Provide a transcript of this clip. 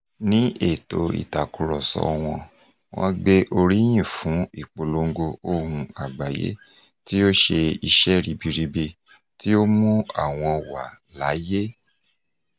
Ní ètò ìtàkùrọ̀sọ wọn, wọ́n gbé orí yìn fún ìpolongo Ohùn Àgbáyé tí ó ṣe iṣẹ́ ribiribi tí ó mú àwọn wà láyé.